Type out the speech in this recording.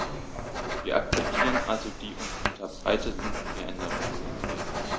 Wir akzeptieren also die uns unterbreiteten vier Änderungsanträge.